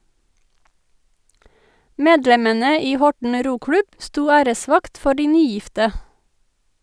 Medlemmene i Horten roklubb sto æresvakt for de nygifte.